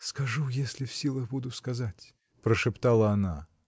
— Скажу, если в силах буду сказать. — прошептала она.